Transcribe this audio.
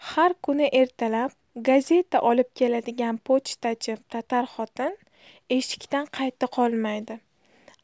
har kuni ertalab gazeta olib keladigan pochtachi tatar xotin eshikdan qayta qolmaydi